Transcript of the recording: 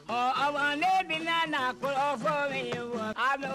Ɔwɔ den bɛna na ko ko min fɔ